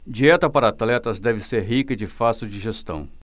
dieta para atletas deve ser rica e de fácil digestão